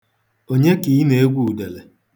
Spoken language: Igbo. Onye ka ị na-egwu udele?